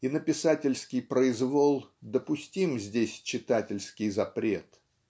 и на писательский произвол допустим здесь читательский запрет.